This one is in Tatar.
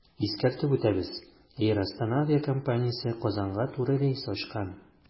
Искәртеп үтәбез, “Эйр Астана” авиакомпаниясе Казанга туры рейс ачкан.